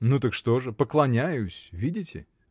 — Ну, так что же: поклоняюсь — видите.